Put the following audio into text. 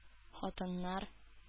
Хатыннар